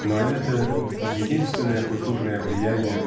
Но и это "единственное" культурное влияние